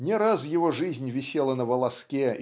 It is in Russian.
не раз его жизнь висела на волоске